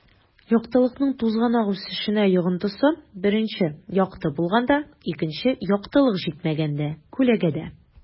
Яктылыкның тузганак үсешенә йогынтысы: 1 - якты булганда; 2 - яктылык җитмәгәндә (күләгәдә)